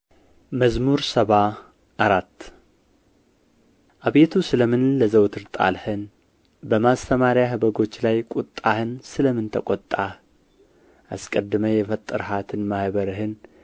መዝሙር ሰባ አራት አቤቱ ስለ ምን ለዘወትር ጣልኸኝ በማሰማርያህ በጎች ላይስ ቍጣህን ስለ ምን ተቈጣህ አስቀድመህ የፈጠርሃትን ማኅበርህን